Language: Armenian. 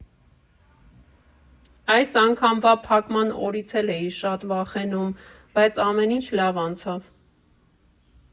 Այս անգամվա փակման օրից էլ շատ էի վախենում, բայց ամեն ինչ լավ անցավ։